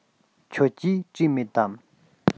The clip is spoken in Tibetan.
ཁྱོད ཀྱིས བྲིས མེད དམ